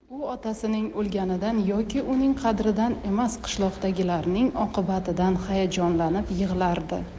u otasining o'lganidan yoki uning qadridan emas qishloqdagilarning oqibatidan hayajonlanib yig'lardi